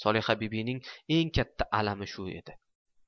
solihabibining eng katta alami shu edi